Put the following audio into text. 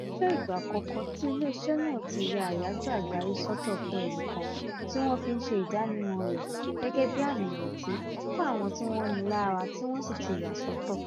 Ó jẹ́ ìgbà àkọ́kọ́ tí ilé iṣẹ́ náà ti ya àyájọ́ àgbáyé sọ́tọ̀ fún ẹnìkan, tí wọ́n fi ń ṣe ìdánimọ̀ rẹ̀ gẹ́gẹ́ bí àmì ìrètí fún àwọn tí wọ́n ń ni lára tí wọ́n sì ti yà sọ́tọ̀.